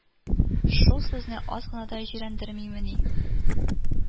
Шул сезне аз гына да җирәндермимени